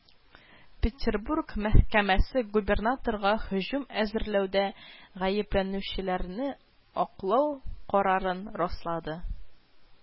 Петербур мәхкәмәсе губернаторга һөҗүм әзерләүдә гаепләнүчеләрне аклау карарын раслады